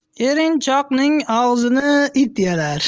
erinchoqning og'zini it yalar